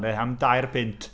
Neu am dair punt.